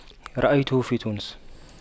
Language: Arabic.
رأيته في تونس